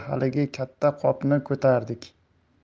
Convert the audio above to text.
haligi katta qopni ko'tardik